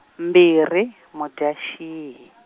mbirhi , Mudyaxihi.